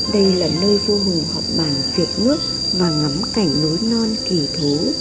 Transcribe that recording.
đây là nơi vua hùng họp bàn việc nước và ngắm cảnh núi non kỳ thú